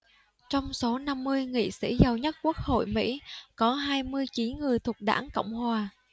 trong số năm mươi nghị sĩ giàu nhất quốc hội mỹ có hai mươi chín người thuộc đảng cộng hòa